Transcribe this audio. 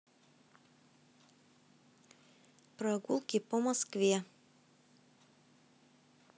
прогулки по москве